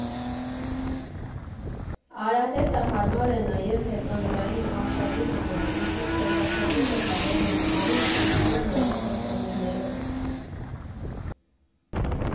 Արահետը հարմար է նաև հեծանվային արշավի համար, ուստի ցանկացողները կարող են այն անցնել նաև հեծանիվներով։